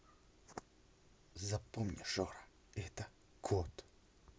запомни жора это кот